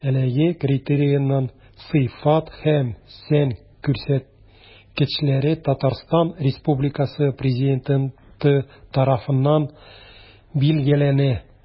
Әлеге критерийларның сыйфат һәм сан күрсәткечләре Татарстан Республикасы Президенты тарафыннан билгеләнә.